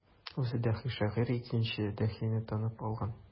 Үзе даһи шагыйрь икенче даһине танып алган.